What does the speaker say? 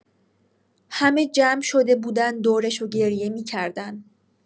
همه جمع شده بودن دورش و گریه می‌کردن.